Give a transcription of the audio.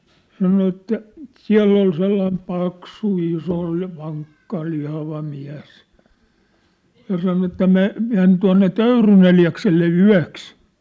sanoi että siellä oli sellainen paksu iso vankka lihava mies ja sanoi että - meni tuonne Töyryn Eliakselle yöksi